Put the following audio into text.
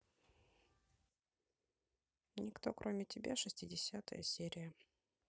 никто кроме тебя шестидесятая серия